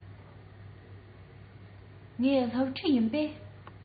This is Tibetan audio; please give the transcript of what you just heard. ངས སློབ ཕྲུག ཡིན པས